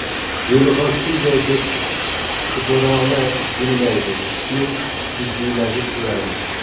zelixon shunday deb kiborona jilmaydi keyin jiddiylashib so'radi